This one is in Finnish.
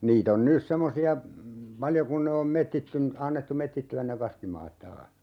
niitä on nyt semmoisia paljon kun ne on - annettu metsittyä ne kaskimaat taas